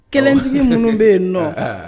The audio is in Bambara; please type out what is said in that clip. Kelentigi ninnu bɛ yen n nɔ